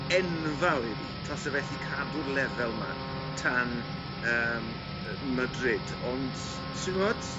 enfawr i fi tase fe 'lly cadw'r lefel 'ma tan yym yy Madrid ond ti'n wod